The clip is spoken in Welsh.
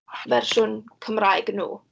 Fersiwn Cymraeg nhw.